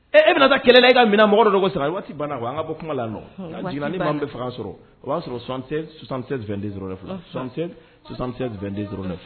E e bɛna taa kɛlɛ ka minɛ mɔgɔ dɔgɔ sara waati banna an ka bɔ la nɔ ni' bɛ fanga sɔrɔ o b'a sɔrɔ tɛ tanɛn den den nefɛ fɛ